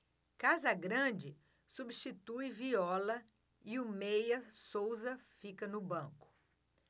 casagrande substitui viola e o meia souza fica no banco